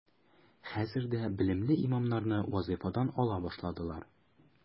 Хәзер дә белемле имамнарны вазифадан ала башладылар.